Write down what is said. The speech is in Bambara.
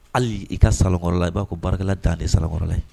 Hali i ka sakɔrɔ la i b'a ko barika dan de sakɔrɔ la